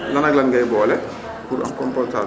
lan ak lan ngay boole pour am compostar